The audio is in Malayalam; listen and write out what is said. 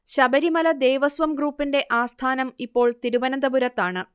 ശബരിമല ദേവസ്വം ഗ്രൂപ്പിന്റെ ആസ്ഥാനം ഇപ്പോൾ തിരുവനന്തപുരത്താണ്